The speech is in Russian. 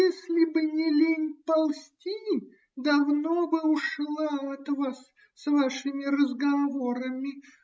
Если бы не лень ползти, давно бы ушла от вас с вашими разговорами